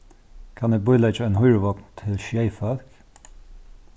kann eg bíleggja ein hýruvogn til sjey fólk